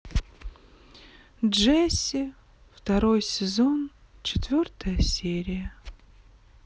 джесси второй сезон четвертая серия